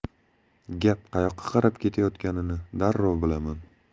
gap qayoqqa qarab ketayotganini darrov bilaman